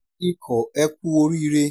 Ikọ̀ ẹ kú oríire!